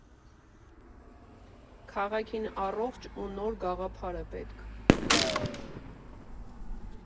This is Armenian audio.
Քաղաքին առողջ ու նոր գաղափար է պետք։